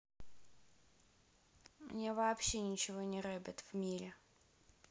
меня вообще ничего не rabbit в мире